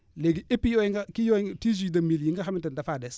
léegi épis yooyu nga kii yooyu tige yi de mil yi nga xamante ne dafaa des